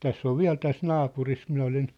tässä on vielä tässä naapurissa minä olin